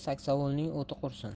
saksovulning o'ti qursin